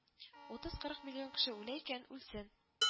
Утыз-кырык миллион кеше үлә икән, үлсен